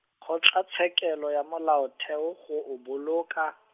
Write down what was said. Kgotlatshekelo ya Molaotheo go o boloka.